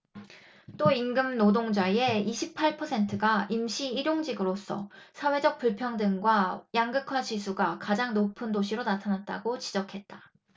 또 임금노동자의 이십 팔 퍼센트가 임시 일용직으로서 사회적 불평등과 양극화 지수가 가장 높은 도시로 나타났다 고 지적했다